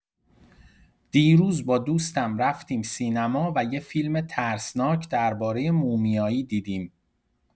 دیروز با دوستم رفتیم سینما و یه فیلم ترسناک دربارۀ مومیایی دیدیم.